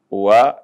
O wa